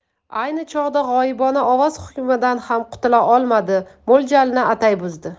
ayni chog'da g'oyibona ovoz hukmidan ham qutula olmadi mo'ljalni atay buzdi